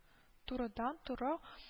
Турыдан-туры